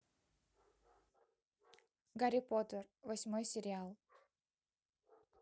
гарри поттер восьмой сериал